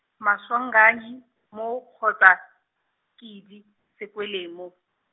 Maswanganyi, mo, kgotsa, Kedi, Sekwele mo.